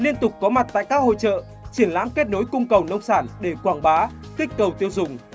liên tục có mặt tại các hội chợ triển lãm kết nối cung cầu nông sản để quảng bá kích cầu tiêu dùng